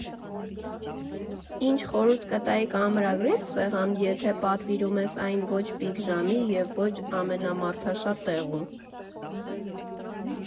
Ի՞նչ խորհուրդ կտայիք՝ ամրագրե՞լ սեղան, եթե պատվիրում ես այն ոչ պիկ ժամի և ոչ ամենամարդաշատ տեղում։